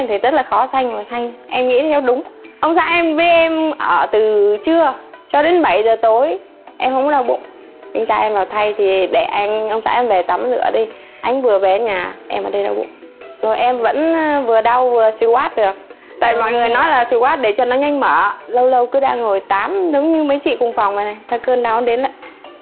thì rất là khó sanh em nghĩ theo đúng ông xã em với em ở từ trưa cho đến bảy giờ tối em không có đau bụng anh trai em vào thay thì để anh ông xã về tắm rửa đi anh vừa về đến nhà em ở đây đau bụng rồi em vẫn vừa đau vừa sì quát được tại mọi người nói là si quát để cho nó nhanh mở lâu lâu cứ đang ngồi tán đứng như mấy chị cùng phòng vầy nè thấy cơn đau nó đến lại